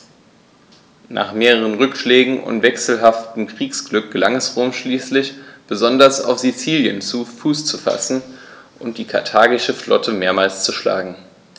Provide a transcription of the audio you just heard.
Nach mehreren Rückschlägen und wechselhaftem Kriegsglück gelang es Rom schließlich, besonders auf Sizilien Fuß zu fassen und die karthagische Flotte mehrmals zu schlagen.